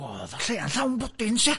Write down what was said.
Oedd y lle yn llawn bodins, ie.